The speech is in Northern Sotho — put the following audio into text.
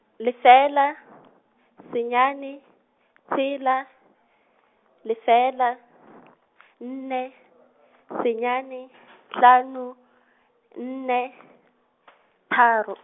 lefela, senyane, tshela, lefela, nne , senyane , hlano , nne , tharo.